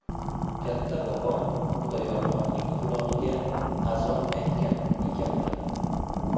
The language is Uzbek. katta bobom xudoyorxonning qulog'iga azon aytmish ekanlar